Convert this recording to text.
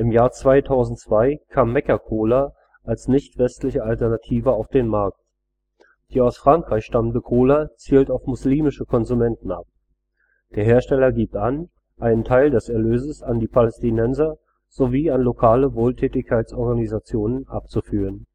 Jahr 2002 kam Mecca-Cola als „ nicht-westliche “Alternative auf den Markt. Die aus Frankreich stammende Cola zielt auf muslimische Konsumenten ab. Der Hersteller gibt an, einen Teil des Erlöses an die Palästinenser sowie an lokale Wohltätigkeitsorganisationen abzuführen